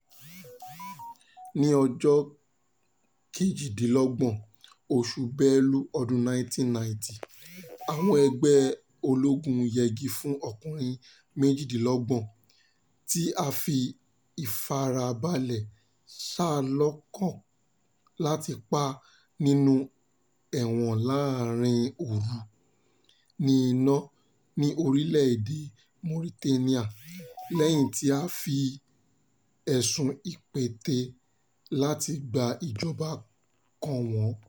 Ní ọjọ́ kejìdínlọ́gbọ̀n oṣù Belu ọdún 1990, àwọn ẹgbẹ́ ológun yẹgi fún ọkùnrin méjìdínlọ́gbọ̀n tí a fi ìfarabalẹ̀ ṣà lọ́kọ̀ọ̀kan láti pa nínú ẹ̀wọ̀n láàárín òru, ní Inal ní orílẹ̀-èdè Mauritania lẹ́yìn tí a fi ẹ̀sùn ìpète-lati-gba-ìjọba kàn wọ́n.